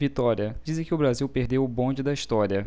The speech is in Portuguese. vitória dizem que o brasil perdeu o bonde da história